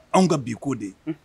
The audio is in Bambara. Anw ka biko de